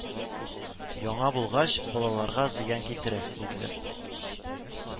Яңа булгач, балаларга зыян китерә, диделәр